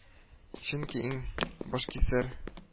Ченки иң башкисәр